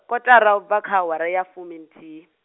kotara u bva kha awara ya fuminthihi.